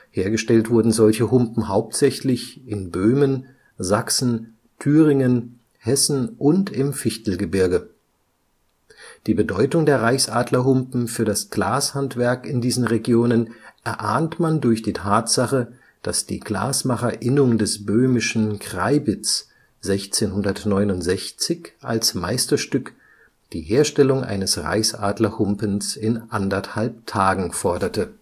Hergestellt wurden solche Humpen hauptsächlich in Böhmen, Sachsen, Thüringen, Hessen und im Fichtelgebirge. Die Bedeutung der Reichsadlerhumpen für das Glashandwerk in diesen Regionen erahnt man durch die Tatsache, dass die Glasmacherinnung des böhmischen Kreibitz 1669 als Meisterstück die Herstellung eines Reichsadlerhumpens in anderthalb Tagen forderte